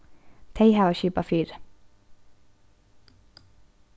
tey hava skipað fyri